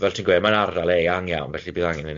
Ie fel ti'n gweud ma'n ardal e iawn iawn felly bydd angen i ni.